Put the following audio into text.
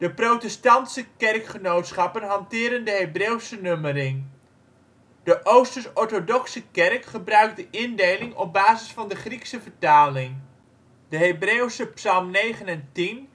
protestantse kerkgenootschappen hanteren de Hebreeuwse nummering; De Oosters-orthodoxe Kerk gebruikt de indeling op basis van de Griekse vertaling. Hebreeuwse nummering Griekse nummering 1 – 8 9 – 10 9 11 – 113 10 – 112 114 – 115 113 116 114 – 115 117 – 146 116 – 145 147 146 – 147 148 – 150 De Hebreeuwse psalm 9 en 10